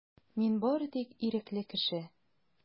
Мин бары тик ирекле кеше.